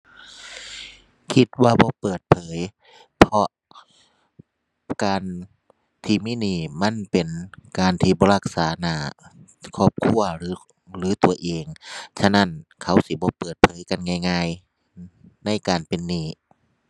คิดว่าบ่เปิดเผย เพราะการที่มีหนี้ มันเป็นการที่บ่รักษาหน้าครอบครัวหรือ หรือตัวเอง ฉะนั้นเขาสิบ่เปิดเผยกันง่ายง่ายในการเป็นหนี้